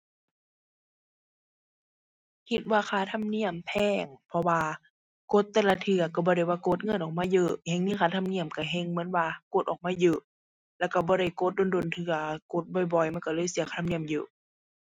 คิดว่าค่าธรรมเนียมแพง เพราะว่ากดแต่ละเทื่อก็บ่ได้ว่ากดเงินออกมาเยอะ แฮ่งมีค่าธรรมเนียมก็แฮ่งเหมือนว่ากดออกมาเยอะ แล้วก็บ่ได้กดโดนโดนเทื่อ กดบ่อยบ่อยมันก็เลยเสียค่าธรรมเนียมเยอะ